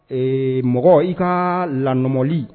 Ee mɔgɔ i ka lali